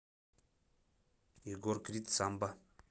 егор крид самба